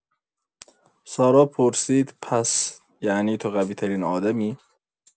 سارا پرسید: «پس یعنی تو قوی‌ترین آدمی؟»